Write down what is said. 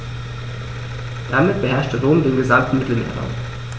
Damit beherrschte Rom den gesamten Mittelmeerraum.